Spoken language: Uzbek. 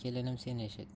kelinim sen eshit